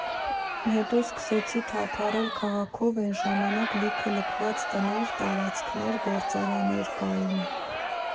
Հետո սկսեցի թափառել քաղաքով՝ էն ժամանակ լիքը լքված տներ, տարածքներ, գործարաններ կային»։